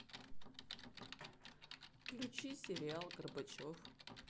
включи сериал горбачев